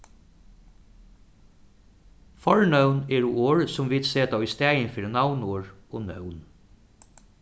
fornøvn eru orð sum vit seta ístaðin fyri navnorð og nøvn